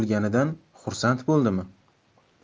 ishlaganidan xursand bo'ldimi